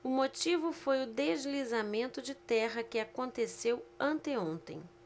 o motivo foi o deslizamento de terra que aconteceu anteontem